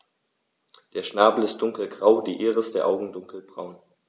Der Schnabel ist dunkelgrau, die Iris der Augen dunkelbraun.